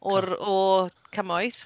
O'r... o cymoedd